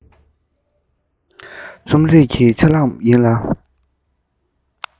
རྩོམ རིག གི ཆ ལག ཡིན ལ